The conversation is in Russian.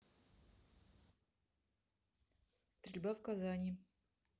стрельба в казани